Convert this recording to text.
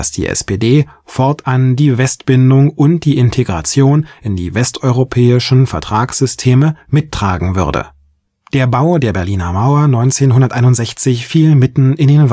die SPD fortan die Westbindung und die Integration in die westeuropäischen Vertragssysteme mittragen würde. Der Bau der Berliner Mauer 1961 fiel mitten in den Wahlkampf